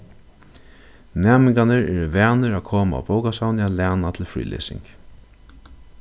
næmingarnir eru vanir at koma á bókasavnið at læna til frílesing